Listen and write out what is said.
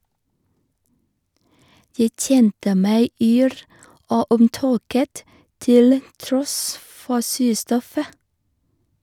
Jeg kjente meg yr og omtåket til tross for surstoffet.